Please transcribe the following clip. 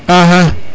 axa